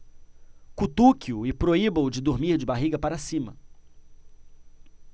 cutuque-o e proíba-o de dormir de barriga para cima